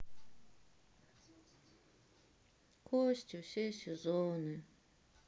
кости все сезоны